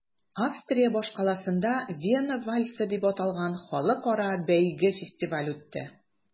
Австрия башкаласында “Вена вальсы” дип аталган халыкара бәйге-фестиваль үтте.